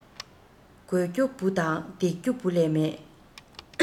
དགོས རྒྱུ བུ དང འདེགས རྒྱུ བུ ལས མེད